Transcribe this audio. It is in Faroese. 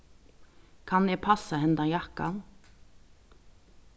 kann eg passa hendan jakkan